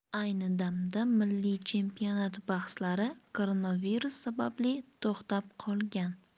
ayni damda milliy chempionat bahslari koronavirus sababli to'xtab qolgan